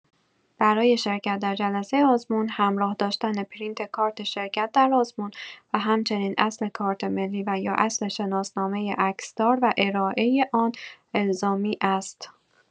برای شرکت در جلسه آزمون همراه داشتن پرینت کارت شرکت در آزمون و هم­چنین اصل کارت ملی و یا اصل شناسنامه عکسدار و ارائه آن الزامی است.